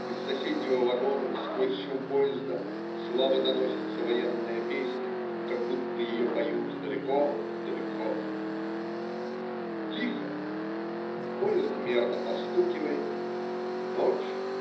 Из соседнего вагона, сквозь шум поезда, слабо доносится военная песня, как будто ее поют далеко, далеко. Тихо. Поезд мирно постукивает. Ночь.